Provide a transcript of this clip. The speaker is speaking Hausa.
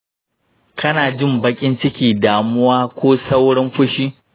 kana jin baƙin ciki, damuwa, ko saurin fushi?